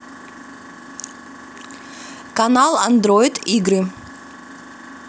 канал андроид игры